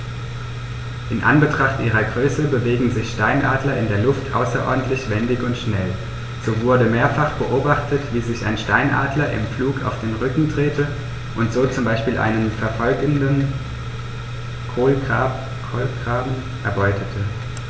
In Anbetracht ihrer Größe bewegen sich Steinadler in der Luft außerordentlich wendig und schnell, so wurde mehrfach beobachtet, wie sich ein Steinadler im Flug auf den Rücken drehte und so zum Beispiel einen verfolgenden Kolkraben erbeutete.